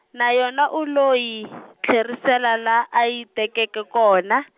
na yona u lo yi, tlherisela la a yi tekeke kona.